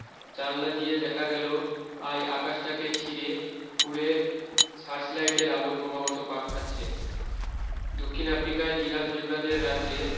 জানলা দিয়ে দেখা গেল আই আকাশটাকে ছিড়ে খুঁড়ে সার্চ লাইটের আলো ক্রমাগত পাক খাচ্ছে দক্ষিণ আফ্রিকায় জিরাফ জেব্রাদের রাজ্যে